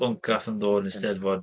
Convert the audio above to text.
Bwncath yn dod i'r 'Steddfod.